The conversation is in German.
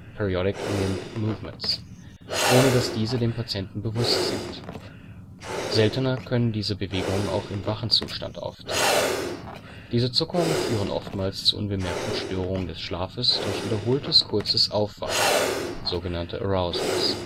Periodic Limb Movements), ohne dass diese dem Patienten bewusst sind. Seltener können diese Bewegungen auch im wachen Zustand auftreten. Diese Zuckungen führen oftmals zu unbemerkten Störungen des Schlafes durch wiederholtes kurzes Aufwachen (sogenannte Arousals